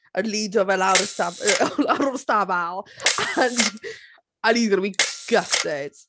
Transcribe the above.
yn lido fe lawr o'r staf- yy o'r stabl. And, and he's going to be gutted.